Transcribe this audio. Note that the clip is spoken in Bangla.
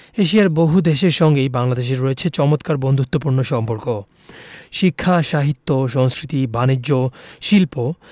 এশিয়ার বহুদেশের সঙ্গেই বাংলাদেশের রয়েছে চমৎকার বন্ধুত্বপূর্ণ সম্পর্ক শিক্ষা সাহিত্য সংস্কৃতি বানিজ্য শিল্প